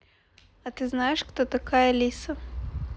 а ты знаешь кто такая алиса